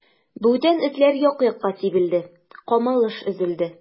Бүтән этләр як-якка сибелде, камалыш өзелде.